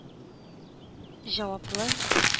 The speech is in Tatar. Җаваплы